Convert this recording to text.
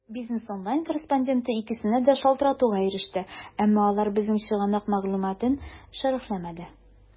"бизнес online" корреспонденты икесенә дә шалтыратуга иреште, әмма алар безнең чыганак мәгълүматын шәрехләмәде.